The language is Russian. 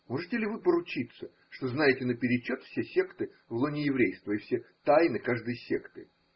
Можете ли вы поручиться, что знаете наперечет все секты в лоне еврейства и все тайны каждой секты?